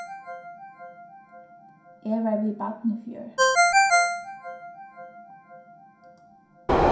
eg var við barn í fjør